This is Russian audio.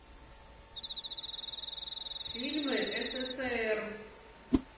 фильмы ссср